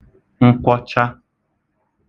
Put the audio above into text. nkwọcha